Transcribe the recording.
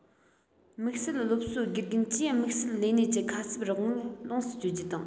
དམིགས བསལ སློབ གསོའི དགེ རྒན གྱིས དམིགས བསལ ལས གནས ཀྱི ཁ གསབ རོགས དངུལ ལོངས སུ སྤྱོད རྒྱུ དང